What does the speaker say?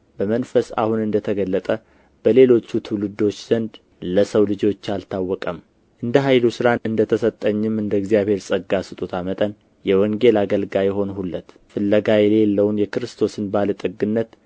በመንፈስ አሁን እንደ ተገለጠ በሌሎቹ ትውልዶች ዘንድ ለሰው ልጆች አልታወቀም እንደ ኃይሉ ሥራ እንደ ተሰጠኝም እንደ እግዚአብሔር ጸጋ ስጦታ መጠንየወንጌል አገልጋይ ሆንሁለት ፍለጋ የሌለውን የክርስቶስን ባለ ጠግነት